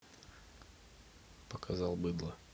показал быдло